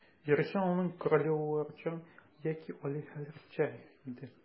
Йөреше аның королеваларча яки алиһәләрчә иде.